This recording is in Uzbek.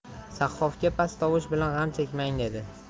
sahhofga past tovush bilan g'am chekmang dedi